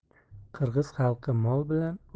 qirg'iz xalqi mol bilan